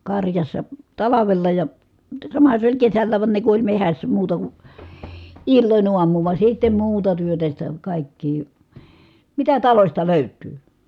karjassa talvella ja samahan se oli kesälläkin vaan ne kun oli metsässä muuta kuin illoin aamuun vaan sitten muuta työtä sitä kaikkea mitä talosta löytyy